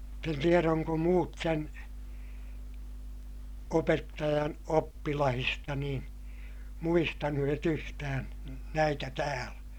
mutta en tiedä onko muut sen opettajan oppilaista niin muistaneet yhtään näitä täällä